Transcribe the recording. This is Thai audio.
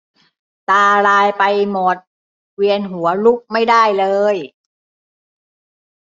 ตาลายไปหมดเวียนหัวลุกไม่ได้เลย